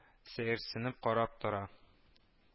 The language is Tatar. Сәерсенеп карап тора